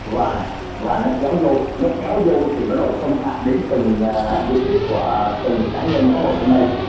và và nó kéo vô nó kéo vô thì nó lại xâm phạm đến từng nhà diện tích của từng cá nhân của hội trong đây